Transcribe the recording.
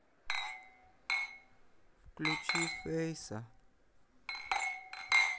включи фейса